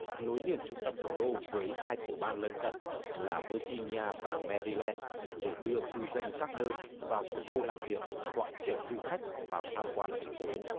nối liền trung tâm thủ đô với hai tiểu bang lân cận là vơ di ni a và me ry len để đưa cư dân các nơi vào thủ đô làm việc hoặc chở du khách vào tham quan thành phố